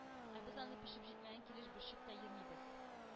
Ә без аны пешеп җитмәгән килеш борчып та йөрмибез.